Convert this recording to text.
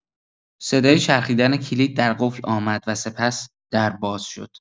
صدای چرخیدن کلید در قفل آمد و سپس، در باز شد.